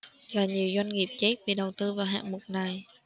và nhiều doanh nghiệp chết vì đầu tư vào hạng mục này